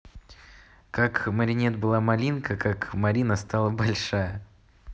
как маринет была малинка как марина стала большая